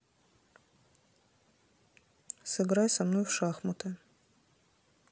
сыграй со мной в шахматы